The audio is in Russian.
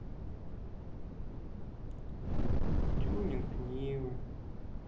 тюнинг нивы